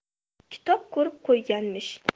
kitob ko'rib qo'yganmish